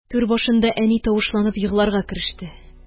Түр башында әни тавышланып егларга кереште.